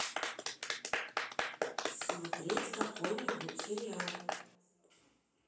смотреть какой нибудь сериал